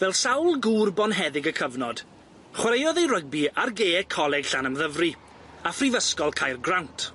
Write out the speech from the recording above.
Fel sawl gŵr bonheddig y cyfnod, chwaraeodd ei rygbi ar gaee Coleg Llanymddyfri, a phrifysgol Caergrawnt.